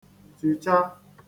tìcha